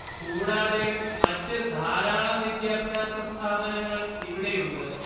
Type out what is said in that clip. കൂടാതെ മറ്റ് ധാരാളം വിദ്യാഭ്യാസ സ്ഥാപനങ്ങള്‍ ഇവിടെയുണ്ട്